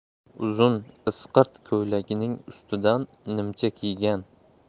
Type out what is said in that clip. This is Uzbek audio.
uzun isqirt ko'ylagining ustidan nimcha kiygan